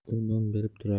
u non berib turardi